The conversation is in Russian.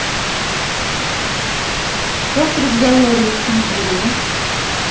как разговаривают кенгуру